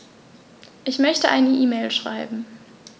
Ich möchte eine E-Mail schreiben.